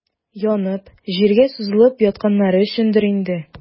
Янып, җиргә сузылып ятканнары өчендер инде.